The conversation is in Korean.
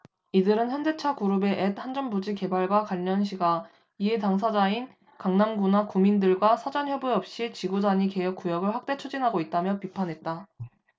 이들은 현대차그룹의 옛 한전부지 개발과 관련 시가 이해당사자인 강남구나 구민들과 사전협의없이 지구단위계획구역을 확대 추진하고 있다며 비판했다